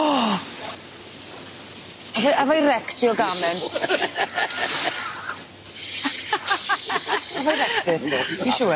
Oh! 'Ave I 'ave I wrecked your garment? 'Ave I wrecked it? No. You sure?